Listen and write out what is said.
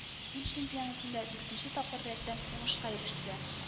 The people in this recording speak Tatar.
Ил чемпионатында дүртенче тапкыр рәттән уңышка иреште